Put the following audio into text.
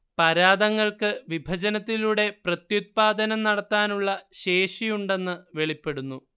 പരാദങ്ങൾക്ക് വിഭജനത്തിലൂടെ പ്രത്യുത്പാദനം നടത്താനുള്ള ശേഷിയുണ്ടെന്ന് വെളിപ്പെടുന്നു